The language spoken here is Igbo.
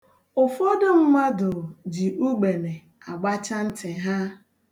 Ụfọdụ mmadụ ji ugbene agbacha ntị ha.